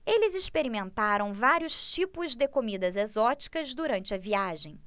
eles experimentaram vários tipos de comidas exóticas durante a viagem